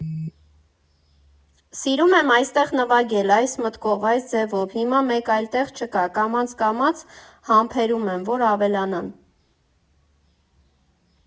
Սիրում եմ այստեղ նվագել, այս մտքով, այս ձևով հիմա մեկ այլ տեղ չկա, կամաց֊կամաց համբերում եմ, որ ավելանան։